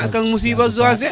ka at kang musiba Zancier